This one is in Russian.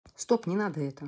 стоп не надо это